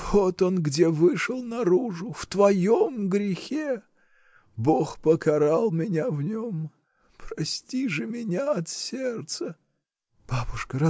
Вот он где вышел наружу — в твоем грехе! Бог покарал меня в нем. Прости же меня от сердца. — Бабушка!